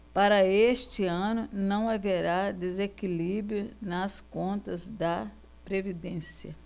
para este ano não haverá desequilíbrio nas contas da previdência